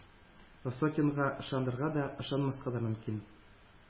Осокинга ышанырга да, ышанмаска да мөмкин.